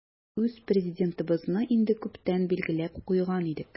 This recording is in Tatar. Үз Президентыбызны инде күптән билгеләп куйган идек.